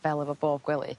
fel efo bob gwely